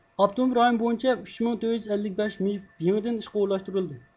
ئاپتونوم رايون بويىچە ئۈچ مىڭ تۆت يۈز ئەللىك بەش مېيىپ يېڭىدىن ئىشقا ئورۇنلاشتۇرۇلدى